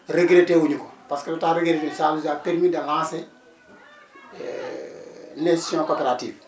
regretté wu ñu ko parce que regretté ça nous a permis de lancer * coopérative